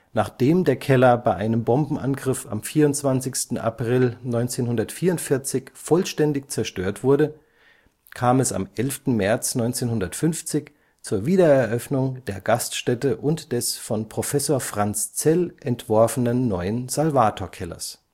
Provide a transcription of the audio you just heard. Nachdem der Keller bei einem Bombenangriff am 24. April 1944 vollständig zerstört wurde, kam es am 11. März 1950 zur Wiedereröffnung der Gaststätte und des von Professor Franz Zell entworfenen neuen Salvator-Kellers